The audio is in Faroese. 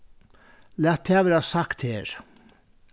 lat tað vera sagt her